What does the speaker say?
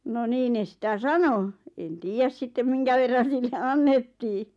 no niin ne sitä sanoi en tiedä sitten minkä verran sille annettiin